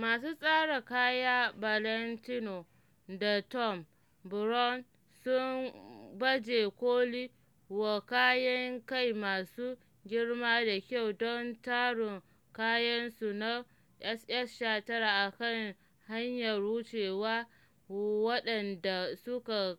Masu tsara kaya Valentino da Thom Browne sun baje-koli wa kayan kai masu girma da kyau don tarun kayansu na SS19 a kan hanyar wucewa waɗanda suka